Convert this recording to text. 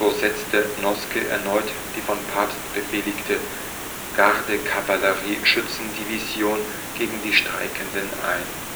setzte Noske erneut die von Pabst befehligte Gardekavallerie-Schützendivision gegen die Streikenden ein